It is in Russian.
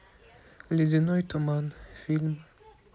ледяной туман фильм